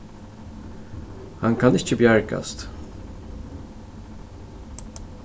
hann kann ikki bjargast